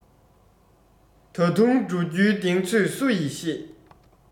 ད དུང འགྲོ རྒྱུའི གདེང ཚོད སུ ཡིས ཤེས